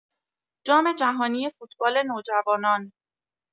جام‌جهانی فوتبال نوجوانان